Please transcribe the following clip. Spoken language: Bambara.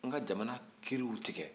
an ka jamana kiriw tigɛ